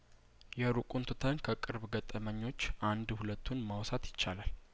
የሩቁንትተን ከቅርብ ገጠመኞች አንድ ሁለቱን ማውሳት ይቻላል